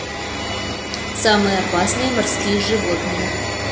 самые опасные морские животные